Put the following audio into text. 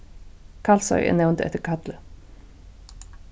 kalsoy er nevnd eftir kalli